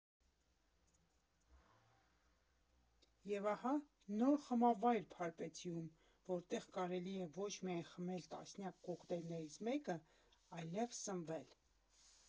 Եվ ահա, նոր խմավայր Փարպեցիում, որտեղ կարելի է ոչ միայն խմել տասնյակ կոկտեյլներից մեկը, այլև սնվել։